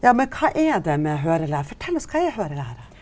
ja men kva er det med fortel oss kva er høyrelære?